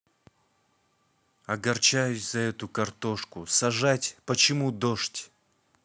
огорчаюсь за эту картошку сажать почему дождь